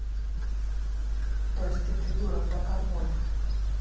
то есть ты придурок да как мой